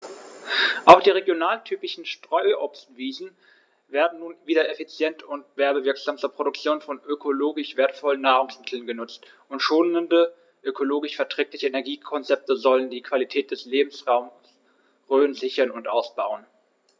Auch die regionaltypischen Streuobstwiesen werden nun wieder effizient und werbewirksam zur Produktion von ökologisch wertvollen Nahrungsmitteln genutzt, und schonende, ökologisch verträgliche Energiekonzepte sollen die Qualität des Lebensraumes Rhön sichern und ausbauen.